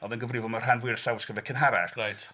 Oedd yn gyfrifol am y rhan fwyaf o'r llawysgrifau cynharach... Reit...